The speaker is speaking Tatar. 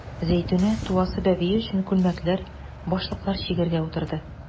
Зәйтүнә туасы бәбие өчен күлмәкләр, башлыклар чигәргә утырды.